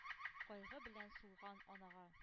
Кайгы белән сулган анага.